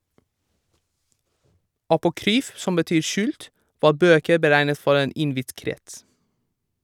Apokryf, som betyr skjult, var bøker beregnet for en innvidd krets.